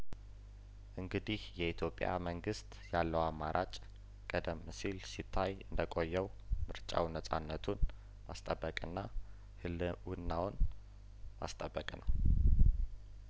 እንግዲህ የኢትዮጵያ መንግስት ያለው አማራጭ ቀደም ሲል ሲታይ እንደቆየው ምርጫው ነጻነቱን ማስጠበቅና ህልውናውን ማስጠበቅ ነው